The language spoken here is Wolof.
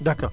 d' accord